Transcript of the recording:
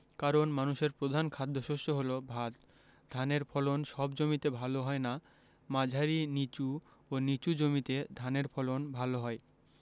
কারন মানুষের প্রধান খাদ্যশস্য হলো ভাত ধানের ফলন সব জমিতে ভালো হয় না মাঝারি নিচু ও নিচু জমিতে ধানের ফলন ভালো হয়